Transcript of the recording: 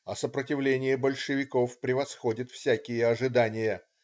А сопротивление большевиков превосходит всякие ожидания.